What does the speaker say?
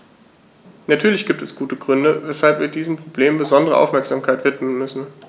Natürlich gibt es gute Gründe, weshalb wir diesem Problem besondere Aufmerksamkeit widmen müssen.